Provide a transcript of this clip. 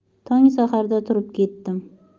tong saharda turib ketdim